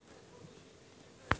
акула человек гигант